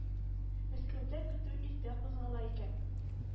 Мәскәүдә көтү иртә кузгала икән